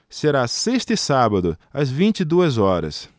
será sexta e sábado às vinte e duas horas